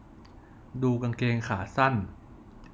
ดูกางเกงขาสั้น